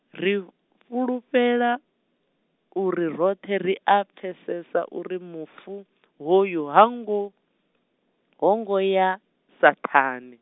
ri fulufhela, uri roṱhe ria pfesesa uri mufu hoyu hango- ho ngo ya Saṱhane.